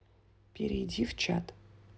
перейди в чат